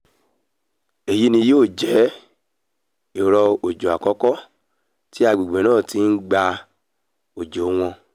Èyí ni yóò jẹ́ ìrọ̀ òjò àkọ́kọ́ ti agbègbè náà ti ìgbà òjò wọn.